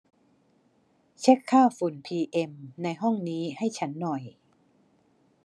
เช็คค่าฝุ่น PM ในห้องนี้ให้ฉันหน่อย